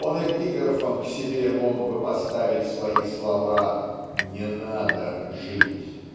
Он эпиграфом к себе мог бы поставить свои слова "не надо жить".